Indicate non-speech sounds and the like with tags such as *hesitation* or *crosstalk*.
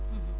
*hesitation* *hesitation*